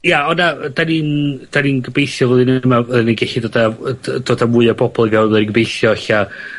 Ia ond na yy 'dan ni'n 'dan ni'n gobeithio flwyddyn yma yy ni'n gellu dod â wy- dy- dod â mwy o bobol i fewn wedyn gobeithio ella